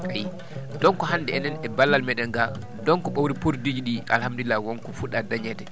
ayi donc hannde enen e ballal meɗen ga donc mbawde produit ji ɗi alhamdulillah wonko fuɗɗa dañede